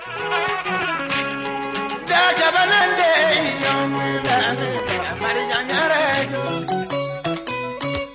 San yo ja tɛ yo nk kɛkari diɲɛ